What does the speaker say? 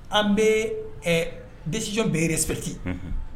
An bɛ desiziyɔn bɛɛ rɛspete